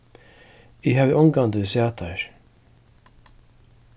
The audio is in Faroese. eg havi ongantíð sæð teir